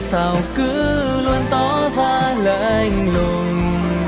tại sao cứ luôn tỏ ra lạnh lùng